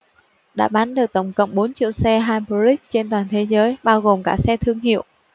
đã bán được tổng cộng bốn triệu xe hybrid trên toàn thế giới bao gồm cả xe thương hiệu